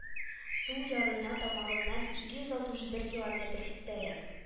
Сул ярына тамагыннан ике йөз алтмыш бер километр өстәрәк